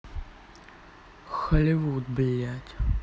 hollywood блять